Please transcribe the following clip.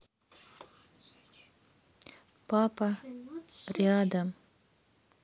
папа рядом